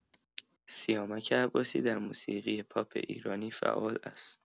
سیامک عباسی در موسیقی پاپ ایرانی فعال است.